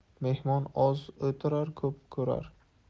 mehmon oz o'tirar ko'p ko'rar